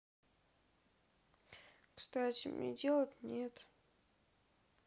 кстати мне делать нет